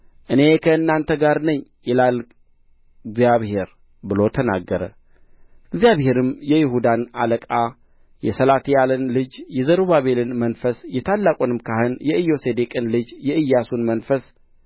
እኔ ከእናንተ ጋር ነኝ ይላል እግዚአብሔር ብሎ ተናገረ እግዚአብሔርም የይሁዳን አለቃ የሰላትያልን ልጅ የዘሩባቤልን መንፈስ የታላቁንም ካህን የኢዮሴዴቅን ልጅ የኢያሱን መንፈስ